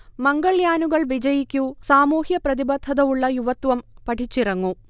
മംഗൾയാനുകൾ വിജയിക്കൂ, സാമൂഹ്യ പ്രതിബദ്ധത ഉള്ള യുവത്വം പഠിച്ചിറങ്ങൂ